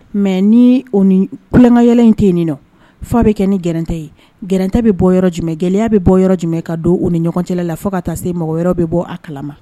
Mais ni o ni tulonkɛ yɛlɛ in tɛ yen ni nɔ fa bɛ kɛ ni gɛrɛntɛ ye gɛrɛntɛ bɛ bɔ yɔrɔ jumɛn gɛlɛyaya bɛ bɔ yɔrɔ jumɛn ka don u ni ɲɔgɔncɛ la fo ka taa se mɔgɔ wɛrɛw bɛ bɔ a kalama